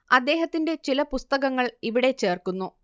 അദ്ദേഹത്തിന്റെ ചില പുസ്തകങ്ങൾ ഇവിടെ ചേർക്കുന്നു